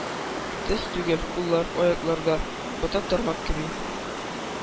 Төз түгел куллар, аяклар да — ботак-тармак кеби.